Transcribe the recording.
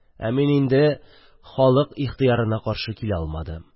Ә мин инде халык ихтыярына каршы килә алмадым.